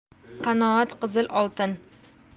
qanoat qizil oltin